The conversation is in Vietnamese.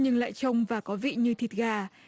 nhưng lại chông và có vị như thịt gà